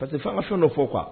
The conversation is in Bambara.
Pari que fanga ka fɛn dɔ fɔ kuwa